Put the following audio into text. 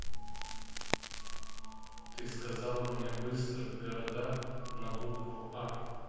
ты сказала мне быстро города на букву а